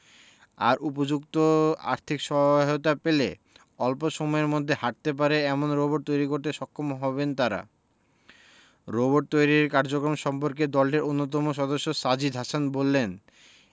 আর উপযুক্ত আর্থিক সহায়তা পেলে অল্প সময়ের মধ্যেই হাঁটতে পারে এমন রোবট তৈরি করতে সক্ষম হবেন তারা রোবট তৈরির এ কার্যক্রম সম্পর্কে দলটির অন্যতম সদস্য সাজিদ হাসান বললেন